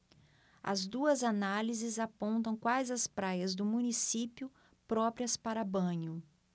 as duas análises apontam quais as praias do município próprias para banho